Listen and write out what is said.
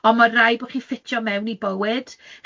Ond mae rhaid bo' chi ffitio mewn i bywyd.